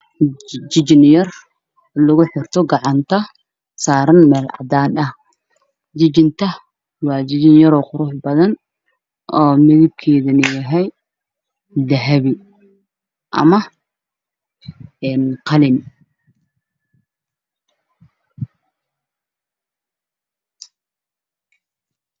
Jijin yar lagu xirto gacanta saaran jijinta waa jaale oo midabkeedu yahay dahabi ama qalin